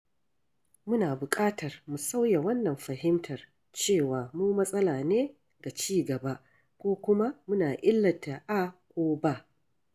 Muna buƙatar mu sauya wannan fahimtar cewa mu matsala ne ga cigaba ko kuma muna illata A ko B.